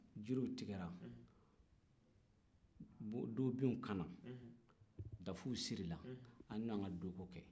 jiriw tigɛra dobinw kara dafuw sirila a ye na an ka dooko kɛ